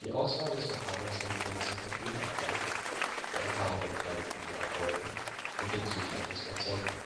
Auswahl des Verfahrens hängt von dessen Verfügbarkeit, der Erfahrung der beteiligten Therapeuten und dem Zustand des Patienten